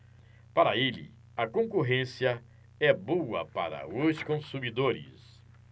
para ele a concorrência é boa para os consumidores